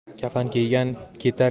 kafan kiygan ketar